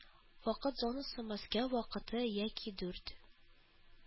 Вакыт зонасы Мәскәү вакыты яки дүрт